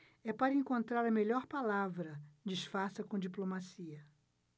é para encontrar a melhor palavra disfarça com diplomacia